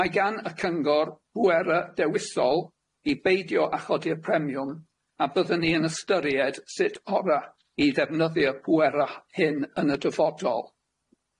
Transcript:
Mae gan y cyngor bwera dewisol i beidio â chodi'r premiwm, a byddwn i yn ystyried sut ora i ddefnyddio pwera hyn yn y dyfodol.